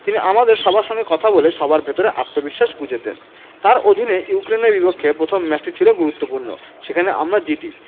তিনি আমাদের সবার সঙ্গে কথা বলে সবার ভেতরে আত্মবিশ্বাস গুঁজে দেন তাঁর অধীনে ইউক্রেনের বিপক্ষে প্রথম ম্যাচটি ছিল গুরুত্বপূর্ণ সেখানে আমরা জিতি